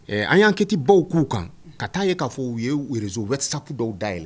Ɛɛ an y'an kɛ baw k'u kan ka taa' ye k'a fɔ u ye wrzo wɛrɛ sa dɔw day